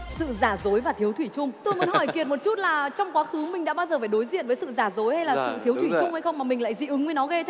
sự giả dối và thiếu thủy chung tôi muốn hỏi kiệt một chút là trong quá khứ mình đã bao giờ phải đối diện với sự giả dối hay là sự thiếu thủy chung hay không mà mình lại dị ứng với nó ghê thế